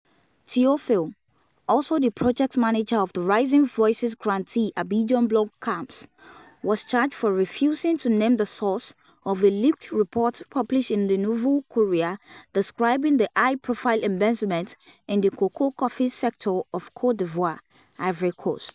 Théophile, also the project manager of the Rising Voices grantee Abidjan Blog camps, was charged for refusing to name the source of a leaked report published in Le Nouveau Courrier describing the high profile embezzlement in the cocoa-coffee sector of Côte d'Ivoire (Ivory Coast).